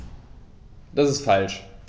Das ist falsch.